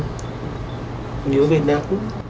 nhớ việt nam